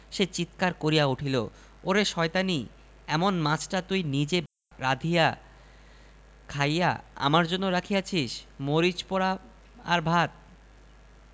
মাছটি লইয়া বউ তাড়াতাড়ি যে ক্ষেতে রহিম আজ লাঙল বাহিবে সেখানে পুঁতিয়া রাখিয়া আসিল